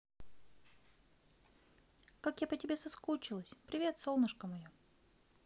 как я по тебе соскучилась привет солнышко мое